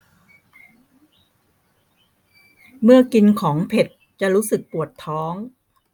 เมื่อกินของเผ็ดจะรู้สึกปวดท้อง